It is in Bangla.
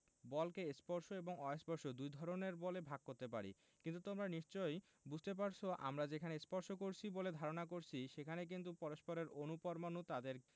বলকে স্পর্শ এবং অস্পর্শ দুই ধরনের বলে ভাগ করতে পারি কিন্তু তোমরা নিশ্চয়ই বুঝতে পারছ আমরা যেখানে স্পর্শ করছি বলে ধারণা করছি সেখানে কিন্তু পরস্পরের অণু পরমাণু তাদের